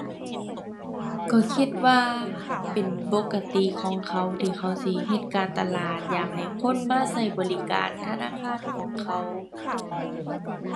ก็คิดว่าเป็นปกติของเขาที่เขาสิเฮ็ดการตลาด อยากให้คนมาใช้บริการธนาคารของเขา